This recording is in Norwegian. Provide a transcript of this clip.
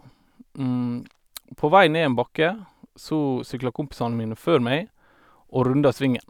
På vei ned en bakke så sykla kompisene mine før meg, og runda svingen.